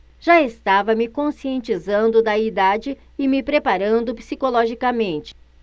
já estava me conscientizando da idade e me preparando psicologicamente